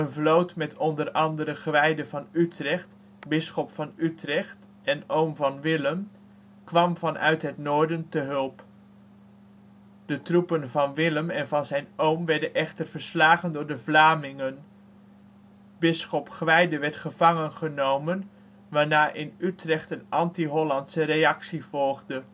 vloot met onder andere Gwijde van Utrecht, bisschop van Utrecht en oom van Willem, kwam vanuit het noorden te hulp. De troepen van Willem en van zijn oom werden echter verslagen door de Vlamingen. Bisschop Gwijde werd gevangen genomen, waarna in Utrecht een anti-Hollandse reactie volgde